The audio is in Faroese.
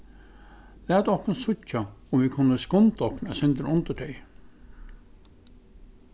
lat okkum síggja um vit kunnu skunda okkum eitt sindur undir tey